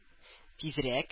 Тизрәк